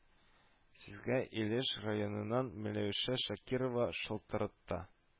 Сезгә Илеш районыннан Миләүшә Шакирова шалтырата